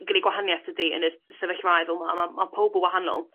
gneud gwahaniaeth tydi yn y s- sefyllfaoedd fel 'ma ma' ma' powb y' wahanol.